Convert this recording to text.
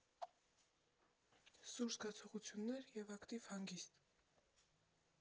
Սուր զգացողություններ և ակտիվ հանգիստ։